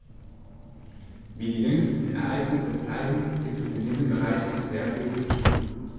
Wie die jüngsten Ereignisse zeigen, gibt es in diesem Bereich noch sehr viel zu tun.